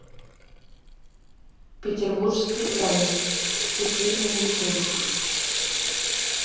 петербургские тайны все серии на ютубе